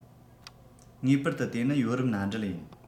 ངེས པར དུ དེ ནི ཡོ རོབ མནའ འབྲེལ ཡིན